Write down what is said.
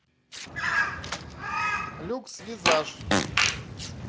люкс визаж